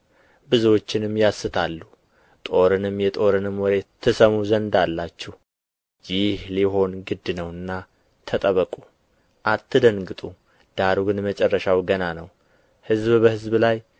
ብዙዎችንም ያስታሉ ጦርንም የጦርንም ወሬ ትሰሙ ዘንድ አላችሁ ይህ ሊሆን ግድ ነውና ተጠበቁ አትደንግጡ ዳሩ ግን መጨረሻው ገና ነው ሕዝብ በሕዝብ ላይ